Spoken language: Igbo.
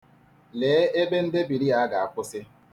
Lee ebe ndebiri a ga-akwụsị.